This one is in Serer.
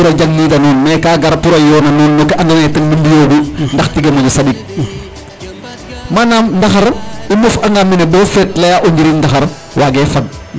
Mais ka gar pour a yoon a nuun no ke andoona yee ten nu mbi'oogu ndax tige moƴo saɗik manaam ndaxar i moofanga mene bo feet layaa o njiriñ ndaxar waagee fag.